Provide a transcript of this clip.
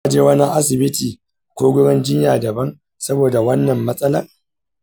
ka je wani asibiti ko gurin jinya daban saboda wannan matsalar?